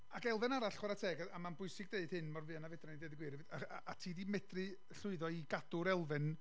Ac elfen arall, chwarae teg, a ma'n bwysig deud hyn, mor fuan â fedra ni deud y gwir hefyd a a ti 'di medru llwyddo i gadw'r elfen,